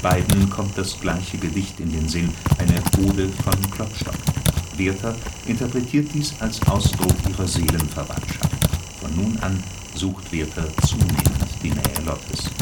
Beiden kommt das gleiche Gedicht in den Sinn, eine Ode von Klopstock. Werther interpretiert dies als Ausdruck ihrer Seelenverwandtschaft. Von nun an sucht Werther zunehmend die Nähe Lottes